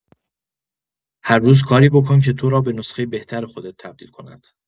هر روز کاری بکن که تو را به نسخه بهتر خودت تبدیل کند.